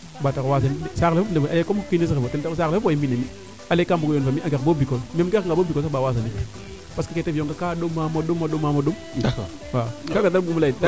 ba tax o wasanin de saax le fop comme o kines refu ten taxu saax le fop owey mbine mi ale kaa mbugo yoon fo mi a ngar boo bicole im gara nga bo Bicole sax baa wasanit parce que keete fiyonga kaa ɗoma ma ɗom waaw kaaga daal bug uma ley